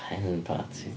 Hen party.